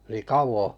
niin kauan